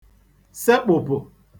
sekpụ̀pụ̀